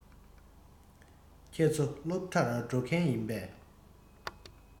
ཁྱེད ཚོ སློབ གྲྭར འགྲོ མཁན ཡིན པས